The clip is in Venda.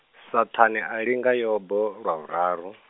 Saṱhane a linga Yobo, lwa vhuraru.